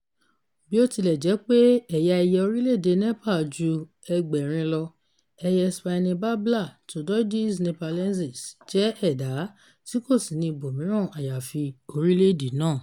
Bí-ó-ti-lẹ-jẹ́-pé ẹ̀yà ẹyẹ orílẹ̀ èdè Nepal ju 800 lọ, ẹyẹ Spiny Babbler (Turdoides nipalensis) jẹ́ ẹ̀dá tí kò sí ní ibòmíràn àyàfi orílẹ̀ èdè náà.